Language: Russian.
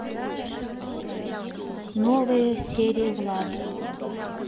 новые серии влад